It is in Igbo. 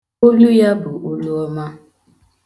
Olu ya bụ olu ọma.